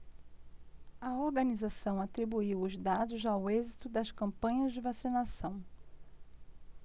a organização atribuiu os dados ao êxito das campanhas de vacinação